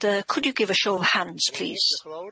Could you give a show of hands, please?